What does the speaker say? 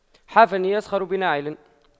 حافٍ يسخر بناعل